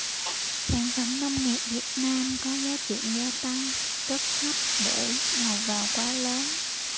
sản phẩm nông nghiệp việt nam có giá trị gia tăng rất thấp bởi đầu vào quá lớn